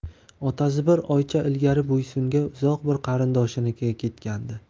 otasi bir oycha ilgari boysunga uzoq bir qarindoshinikiga ketgandi